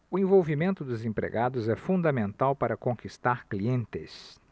o envolvimento dos empregados é fundamental para conquistar clientes